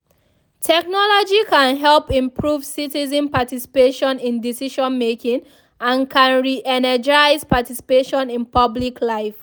Technology can help improve citizen participation in decision-making and can re-energise participation in public life.